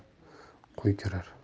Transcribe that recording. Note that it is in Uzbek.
tunda mingta qo'y kirar